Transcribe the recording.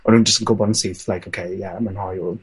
O'n nw'n jyst yn gwbod yn syth like ok yeah o ma'n hoyw.